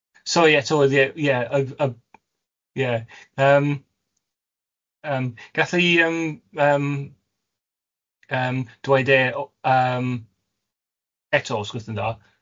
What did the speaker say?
Sori ie, sor' of ie ie yf- yf- ie yym yym... Gallu yym yym yym dweud e o- yym eto os gwlewch yn dda?